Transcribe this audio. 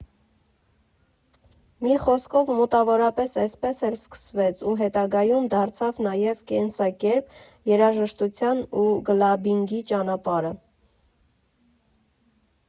Մի խոսքով, մոտավորապես էսպես էլ սկսվեց ու հետագայում դարձավ նաև կենսակերպ՝ երաժշտության ու քլաբբինգի ճանապարհը։